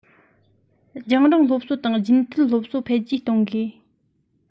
རྒྱང རིང སློབ གསོ དང རྒྱུན མཐུད སློབ གསོ འཕེལ རྒྱས གཏོང དགོས